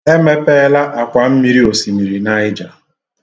E mepeela akwa mmiri Osimiri Naija.